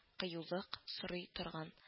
Кыюлык сорый торган